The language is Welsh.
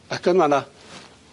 Ac yn ma' 'na